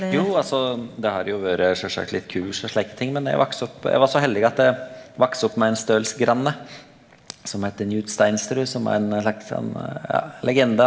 jo, altså det har jo vore sjølvsagt litt kurs og slike ting, men eg vaks opp eg var så heldig at eg vaks opp med ein stølsgranne som heiter Njut Stensrud som var ein slags sånn ja legende.